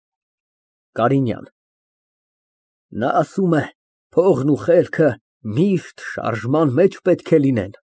ԿԱՐԻՆՅԱՆ ֊ Նա ասում է փողն ու խելքը միշտ շարժման մեջ պետք է լինին։